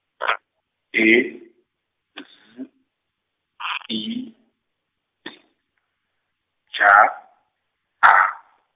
E, Z, I, T, J, A.